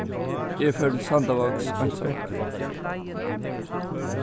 eg fór til sandavágs einsamøll